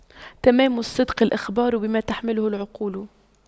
تمام الصدق الإخبار بما تحمله العقول